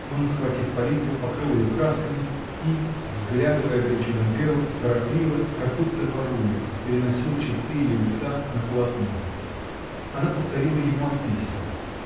Он, схватив палитру, покрыл ее красками и, взглядывая горячо на Веру, торопливо, как будто воруя, переносил черты ее лица на полотно. Она повторила ему о письмах.